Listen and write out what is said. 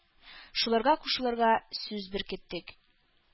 Шуларга кушылырга сүз беркеттек,